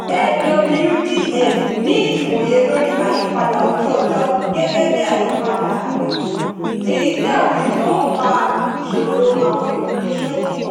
AWDF ní ìwòyè lórí ayípadà ojú-ọjọ́ gẹ́gẹ́ bíi àyípadà agbègbè, èyí tí àwọn èèyàn ń fà—ìṣòrò àwọn èèyàn ní ṣókí.